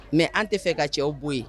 Mais an tɛ fɛ ka cɛw bɔ yen.